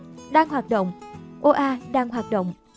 đang hoạt động oa đang hoạt động